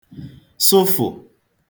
sụfụ̀